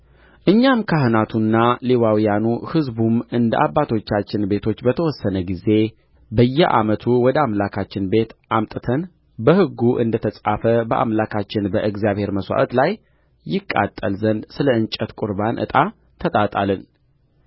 እኛም ካህናቱና ሌዋውያኑ ሕዝቡም እንደ አባቶቻችን ቤቶች በተወሰነ ጊዜ በየዓመቱ ወደ አምላካችን ቤት አምጥተን በሕጉ እንደ ተጻፈ በአምላካችን በእግዚአብሔር መሠዊያ ላይ ይቃጠል ዘንድ ስለ እንጨት ቍርባን ዕጣ ተጣጣልን